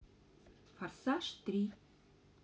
форсаж три